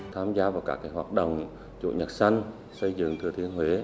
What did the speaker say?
tham gia vào các hoạt động chủ nhật xanh xây dựng thừa thiên huế